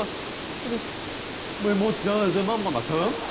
ơ cái gì mười một giờ rồi mà ông còn bảo sớm